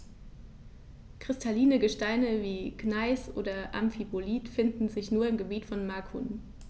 Kristalline Gesteine wie Gneis oder Amphibolit finden sich nur im Gebiet von Macun.